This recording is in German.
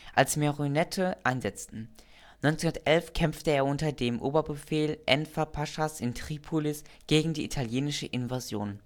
als Marionette einsetzten. 1911 kämpfte er unter dem Oberbefehl Enver Paschas in Tripolis gegen die italienische Invasion